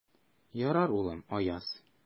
Ярар, улым, Аяз.